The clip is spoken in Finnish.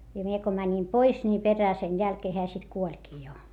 ja minä kun menin pois niin perään sen jälkeen hän sitten kuolikin jo